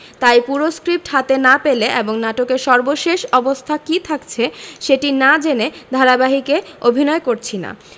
তাই পুরো স্ক্রিপ্ট হাতে না পেলে এবং নাটকের সর্বশেষ অবস্থা কী থাকছে সেটি না জেনে ধারাবাহিকে অভিনয় করছি না